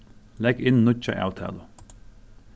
legg inn nýggja avtalu